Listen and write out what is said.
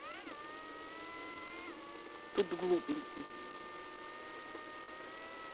тут глупенький